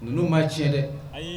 Ninnu ma tiɲɛ dɛ